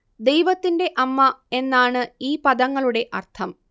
ദൈവത്തിന്റെ അമ്മ എന്നാണ് ഈ പദങ്ങളുടെ അർത്ഥം